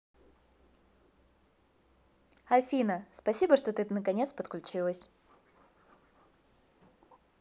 афина спасибо что ты наконец подключилось